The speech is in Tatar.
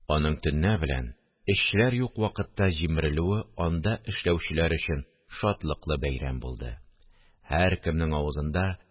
Аның төнлә белән, эшчеләр юк вакытта җимерелүе анда эшләүчеләр өчен шатлыклы бәйрәм булды, һәркемнең авызында